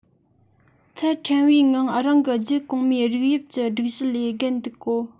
ཚད ཕྲན བུའི ངང རང གི རྒྱུད གོང མའི རིགས དབྱིབས ཀྱི སྒྲིག གཞི ལས བརྒལ འདུག གོ